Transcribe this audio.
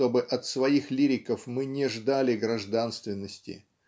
чтобы от своих лириков мы не ждали гражданственности.